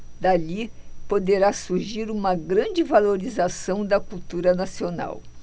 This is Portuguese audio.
dali poderá surgir uma grande valorização da cultura nacional